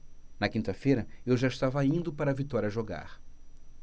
na quinta-feira eu já estava indo para vitória jogar